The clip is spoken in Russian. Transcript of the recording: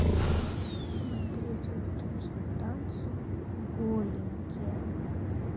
смотреть восточные танцы голенькие